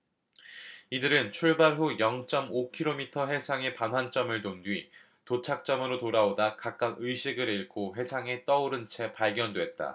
이들은 출발 후 영 쩜 오 키로미터 해상의 반환점을 돈 뒤 도착점으로 돌아오다 각각 의식을 잃고 해상에 떠오른 채 발견됐다